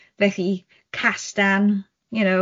Felly, castan, you know yy